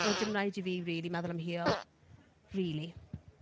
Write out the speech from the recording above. Ond oedd dim rhaid i fi, rili, meddwl am hil, rili.